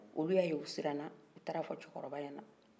olu y'a y'u sirina u taara fɔ cɛkɔrɔba ɲɛnɛ